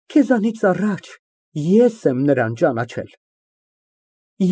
Քեզանից առաջ ես եմ ճանաչել նրան։